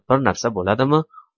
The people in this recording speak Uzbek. bir narsa bo'ladimi